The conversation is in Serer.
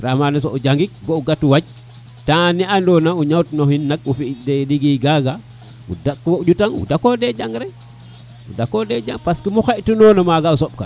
ka mana soɓo o jangik bo o gat wac temps ne ando na o ñoot noxin nak o fi dinge kaga o dako ƴutan o dako de jang rek o dako de jang parce que mu xaƴ tinona maga o soɓ kan